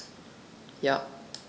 Ja.